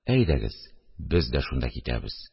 – әйдәгез, без дә шунда китәбез